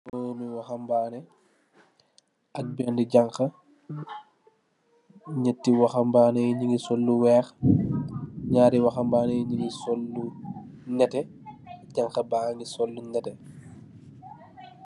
Ayiwa hambaneh ak been jagg netii wahambaneh nugi soll lo weex narri wahambaneh nugi soll lo nete jagg bagi soll lo nete.